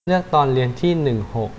เลือกตอนเรียนที่หนึ่งหก